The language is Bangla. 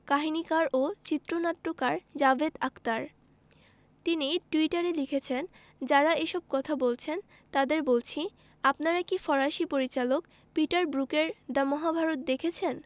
কাহিনিকার ও চিত্রনাট্যকার জাভেদ আখতার তিনি টুইটারে লিখেছেন যাঁরা এসব কথা বলছেন তাঁদের বলছি আপনারা কি ফরাসি পরিচালক পিটার ব্রুকের দ্য মহাভারত দেখেছেন